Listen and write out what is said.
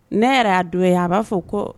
Ne yɛrɛ y'a don ye a b'a fɔ ko